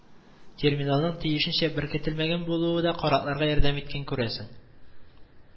Терминалның тиешенчә беркетелмәгән булуы да каракларга ярдәм иткән, күрәсең